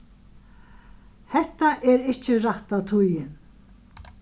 hetta er ikki rætta tíðin